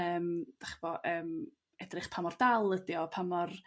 yrm dych ch'bo' yrm edrych pa mor dal ydi o pa mor...